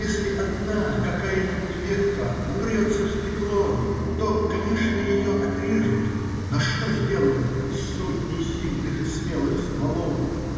Если одна какая-нибудь ветка упрется в стекло, то, конечно, ее отрежут, но что сделают с сотней сильных и смелых стволов?